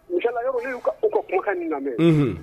Misaliya la I y'adon e y'u ka kuma kan nin lamɛn, unhun.